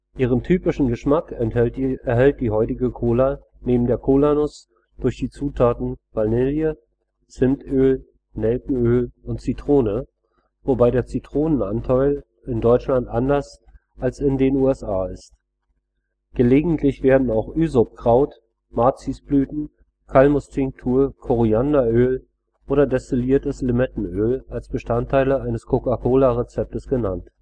Ihren typischen Geschmack erhält die heutige Cola neben der Kolanuss durch die Zutaten Vanille, Zimtöl, Nelkenöl und Zitrone, wobei der Zitronenanteil in Deutschland anders als in den USA ist. Gelegentlich werden auch Ysopkraut -, Mazisblüten -, Kalmus-Tinktur, Korianderöl oder destilliertes Limettenöl als Bestandteile eines Cola-Rezeptes genannt